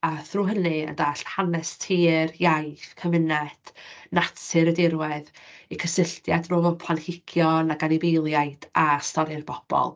A thrwy hynny yn dallt hanes tir, iaith, cymuned, natur y dirwedd, y cysylltiad rhwng y planhigion ac anifeiliaid a stori'r bobl.